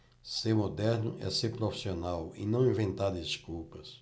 ser moderno é ser profissional e não inventar desculpas